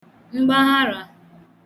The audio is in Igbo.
mgbagharā